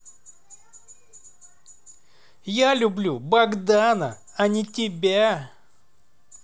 я люблю богдана а не тебя